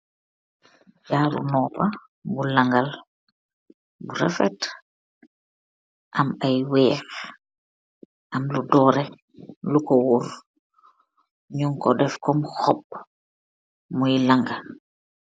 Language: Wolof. Jaro nopa bu langal bu rafet, am aye wehh, am lu doreh luko worr. Nug ko def kom hopp, mui langa.